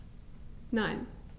Nein.